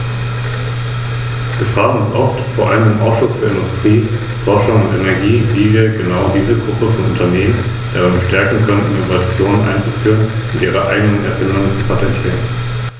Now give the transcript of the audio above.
Natürlich akzeptieren wir diesen Änderungsantrag, er ist völlig vernünftig, und ich glaube, es müssen konkrete Situationen in Betracht gezogen werden, die von der klimatischen Verschiedenartigkeit der Europäischen Union zeugen, die manchmal bei der Prüfung der Normungen und Charakterisierungen technischer Art in spezifische Festlegungen und konkrete Anforderungen umgesetzt werden.